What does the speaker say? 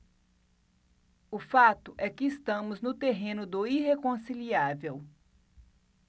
o fato é que estamos no terreno do irreconciliável